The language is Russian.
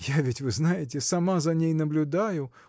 я ведь, вы знаете, сама за ней наблюдаю